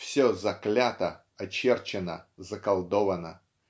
все заклято, очерчено, заколдовано.